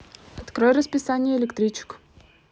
открой расписание электричек